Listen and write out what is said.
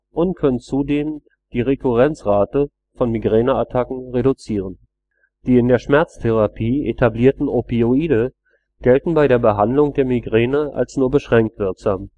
und können zudem die Rekurrenzrate von Migräneattacken reduzieren. Die in der Schmerztherapie etablierten Opioide gelten bei der Behandlung der Migräne als nur beschränkt wirksam